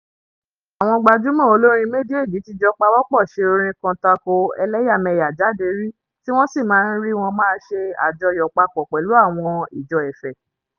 Àwọn gbajúmò olórin méjèèjì ti jọ pawọ́pọ̀ ṣe orin kan tako ẹlẹ́yàmẹ̀yà jáde rí tí wọ́n sì máa ń rí wọn máa ṣe àjọyọ̀ papọ pẹ̀lú àwọn ìjọ ẹ̀fẹ̀.